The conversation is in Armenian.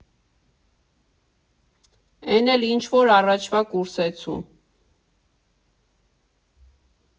Էն էլ ինչ֊որ առաջվա կուրսեցու։